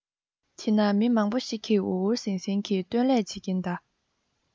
དེ ན མི མང པོ ཞིག གིས འུར འུར ཟིང ཟིང གིས སྟོན ལས བྱེད ཀྱིན གདའ